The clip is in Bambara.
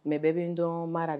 Mɛ bɛɛ bɛ n dɔn mara de